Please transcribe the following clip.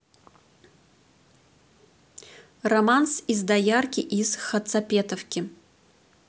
романс из доярки из хацапетовки